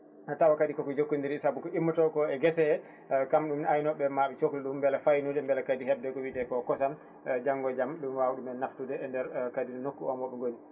tawa kadi koko jokkodiri saabu ko immoto ko e guese he kañum aynoɓe ma cohlu ɗum beele faynude beele kadi hebde ko wiiteko kosam janggo e jaam ɗum wawa ɗumen naftude e nder kadi nokku o moɓe gooni